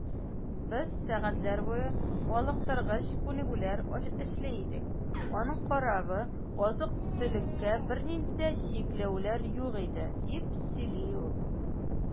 Без сәгатьләр буе ялыктыргыч күнегүләр эшли идек, аның каравы, азык-төлеккә бернинди дә чикләүләр юк иде, - дип сөйли ул.